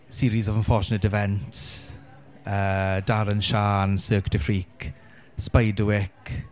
Series of Unfortunate Events, uh, Darren Sian, Cirque du Freak, Spiderwick.